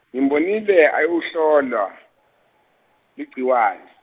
ngimbonile ayowuhlolwa, ligciwane.